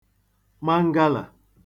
mangalà